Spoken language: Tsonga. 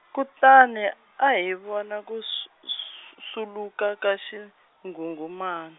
kutani, a hi vona ku sw- sw-, swuluka ka xinghunghumani.